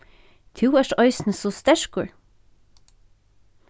tú ert eisini so sterkur